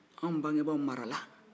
anw bangebagaw marala